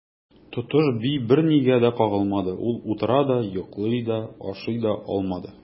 Тотыш би бернигә дә кагылмады, ул утыра да, йоклый да, ашый да алмады.